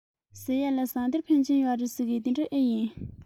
ཟེར ཡས ལ ཟངས གཏེར འཕོན ཆེན ཡོད རེད ཟེར གྱིས དེ འདྲ ཨེ ཡིན